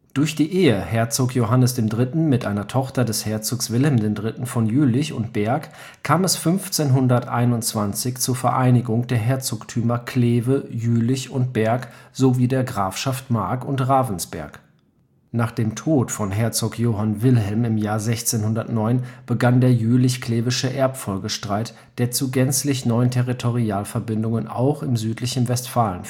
Durch die Ehe Herzog Johanns III. mit einer Tochter des Herzogs Wilhelm III. von Jülich und Berg kam es 1521 zur Vereinigung der Herzogtümer Kleve, Jülich und Berg sowie der Grafschaften Mark und Ravensberg. Nach dem Tod von Herzog Johann Wilhelm im Jahr 1609 begann der jülich-klevische Erbfolgestreit, der zu gänzlich neuen Territorialverbindungen auch im südlichen Westfalen